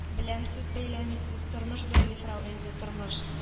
- беләм, сез бәйләмисез - тормыш бәйли, фрау эльза, тормыш